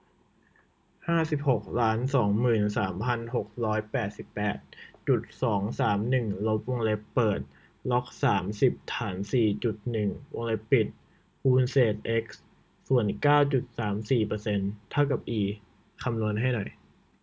ห้าสิบหกล้านสองหมื่นสามพันหกร้อยแปดสิบแปดจุดสองสามหนึ่งลบวงเล็บเปิดล็อกสามสิบฐานสี่จุดหนึ่งวงเล็บปิดคูณเศษเอ็กซ์ส่วนเก้าจุดสามสี่เปอร์เซ็นต์เท่ากับอีคำนวณให้หน่อย